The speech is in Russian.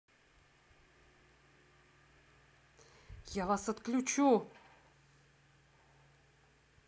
я вас отключу